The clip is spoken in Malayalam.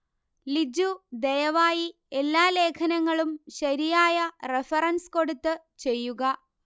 ലിജു ദയവായി എല്ലാ ലേഖനങ്ങളും ശരിയായ റെഫറൻസ് കൊടുത്ത് ചെയ്യുക